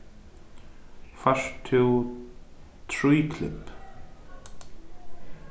fært tú trý klipp